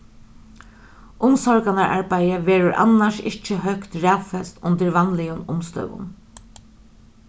umsorganararbeiðið verður annars ikki høgt raðfest undir vanligum umstøðum